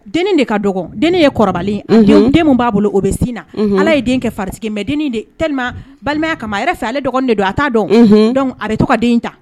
Denni de ka dɔgɔn denni ye kɔrɔbalen ye unhun den den mun b'a bolo o be sin na unhun Ala ye den kɛ fari tigi ye mais denni in de tellement balimaya kama a yɛrɛ fɛ ale dɔgɔnin de don a t'a dɔn o unhun donc a be tɔ ka den in ta